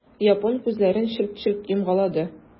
Япон күзләрен челт-челт йомгалады.